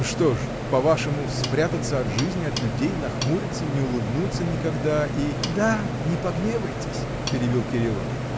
— Что ж, по-вашему, спрятаться от жизни, от людей, нахмуриться, не улыбнуться никогда и. — Да, не погневайтесь! — перебил Кирилов.